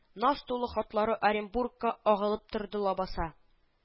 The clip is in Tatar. Наз тулы хатлары оренбургка агылып торды лабаса